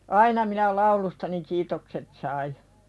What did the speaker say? aina minä laulustani kiitokset sain